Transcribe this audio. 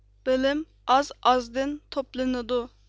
بىلىم ئاز ئازدىن توپلىنىدۇ